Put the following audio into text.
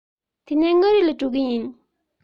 དེ ནས མངའ རིས ལ འགྲོ གི ཡིན